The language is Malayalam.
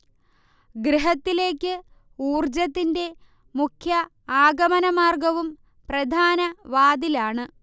ഗൃഹത്തിലേക്ക് ഊർജ്ജത്തിന്റെ മുഖ്യ ആഗമനമാർഗ്ഗവും പ്രധാന വാതിൽ ആണ്